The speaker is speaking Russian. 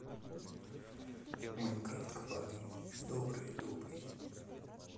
майнкрафт кабаны добрые добрый